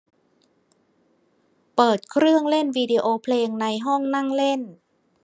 เปิดเครื่องเล่นวิดิโอเพลงในห้องนั่งเล่น